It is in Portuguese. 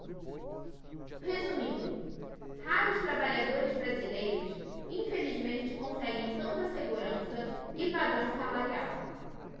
resumindo raros trabalhadores brasileiros infelizmente conseguem tanta segurança e padrão salarial